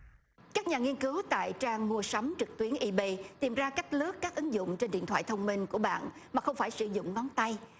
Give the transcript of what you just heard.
các nhà nghiên cứu tại trang mua sắm trực tuyến i bây tìm ra cách lướt các ứng dụng trên điện thoại thông minh của bạn mà không phải sử dụng ngón tay